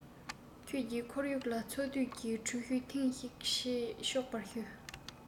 ཁྱེད ཀྱི ཁོར ཡུག ལ འཚོལ སྡུད ཀྱི འགྲུལ བཞུད ཐེངས ཤིག བྱེད ཆོག པར ཞུ